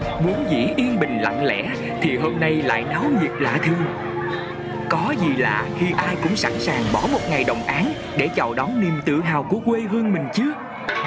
vốn dĩ yên bình lặng lẽ thì hôm nay lại náo nhiệt lạ thường có gì lạ khi ai cũng sẵn sàng bỏ một ngày đồng áng để chào đón niềm tự hào của quê hương mình chứ